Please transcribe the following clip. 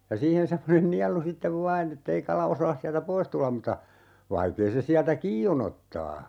ja siihen semmoinen nielu sitten vain että ei kala osaa sieltä pois tulla mutta vaikea se sieltä kiinni on ottaa